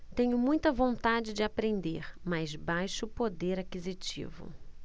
tenho muita vontade de aprender mas baixo poder aquisitivo